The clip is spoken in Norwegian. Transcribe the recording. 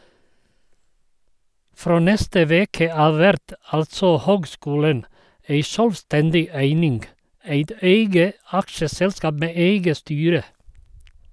Frå neste veke av vert altså høgskulen ei sjølvstendig eining, eit eige aksjeselskap med eige styre.